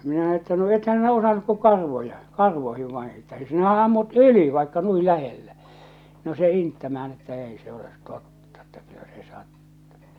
minä että no ethän sinä osannut kuin karvoja karvoihin vain että sinähän ammut yli vaikka noin lähellä no se inttämään että ei se ole totta että kyllä se sattui